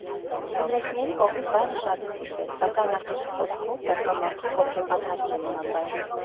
Գյումրեցիների կողմից վայրը շատ է սիրվել, սակայն, Արտուշի խոսքով, դեռ կան մարդիկ, ովքեր պատրաստ չեն նման վայրի։